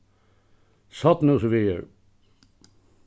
sodnhúsvegur